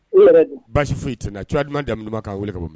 I yɛrɛ basi foyi ti na cogoya di ɲuman da'a weele ka bɔ